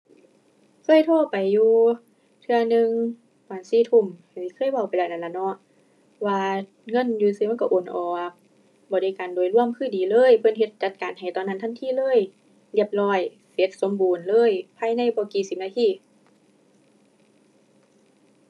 เคยโทรไปอยู่เทื่อหนึ่ง ตอนสี่ทุ่มที่เคยเว้าไปแล้วนั่นล่ะเนาะ ว่าเงินอยู่ซื่อซื่อมันก็โอนออก บริการโดยรวมคือดีเลย เพิ่นเฮ็ดจัดการให้ตอนนั้นทันทีเลย เรียบร้อย เสร็จสมบูรณ์เลย ภายในบ่กี่สิบนาที